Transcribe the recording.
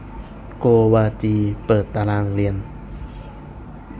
โกวาจีเปิดตารางเรียน